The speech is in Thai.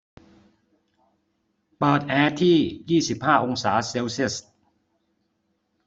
เปิดที่แอร์ยี่สิบห้าองศาเซลเซียส